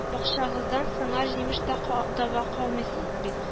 Бакчагыздан сыңар җимеш тә ка таба калмыйсыз бит